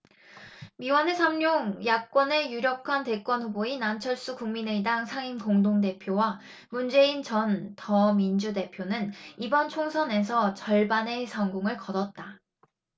미완의 삼룡 야권의 유력한 대권후보인 안철수 국민의당 상임공동대표와 문재인 전 더민주 대표는 이번 총선에서 절반의 성공을 거뒀다